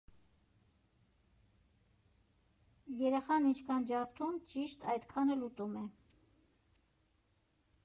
Երեխան ինչքան ջարդում, ճիշտ այդքան էլ ուտում է։